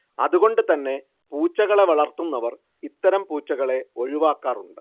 അതുകൊണ്ട് തന്നെ പൂച്ചകളെ വളർത്തുന്നവർ ഇത്തരം പൂച്ചകളെ ഒഴിവാക്കാറുമുണ്ട്